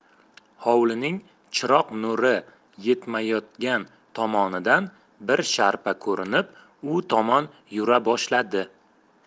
hovlining chiroq nuri yetmayotgan tomonidan bir sharpa ko'rinib u tomon yura boshladi